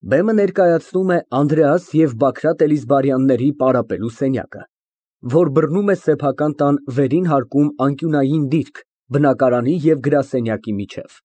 Բեմը ներկայացնում է Անդրեաս և Բագրատ Էլիզբարյանների պարապելու սենյակը, որ բռնում է սեփական տան վերին հարկում անկյունային դիրք՝ բնակարանի և գրասենյակի միջև։